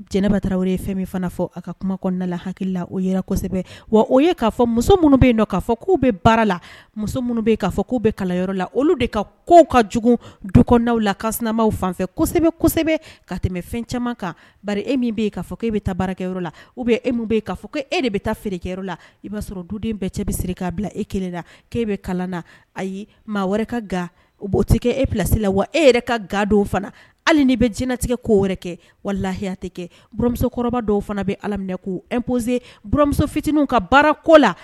Jɛnɛba taara ye fɛn min fɔ ka kuma la wa o minnu bɛ fɔ k' bɛ baara la k' bɛ kalanyɔrɔ la olu de ka kow ka jugu duw la kama fan kosɛbɛsɛbɛ ka tɛmɛ fɛn caman kan e' e bɛ ta baara la u e min bɛ fɔ ko e de bɛ taa feereyɔrɔ la i b'a sɔrɔ duden bɛɛ cɛ bɛsiri k'a bila e kelen la k'e bɛ kalan na ayi maa wɛrɛ kaboo tɛ kɛ e bilalasi la wa e yɛrɛ ka ga dɔw fana hali ni bɛ jinɛtigɛ ko wɛrɛ kɛ wala lahiya kɛmuso kɔrɔ dɔw fana bɛ ala minɛ k' epzsemuso fitininw ka baara ko la